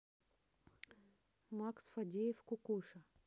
макс фадеев кукуша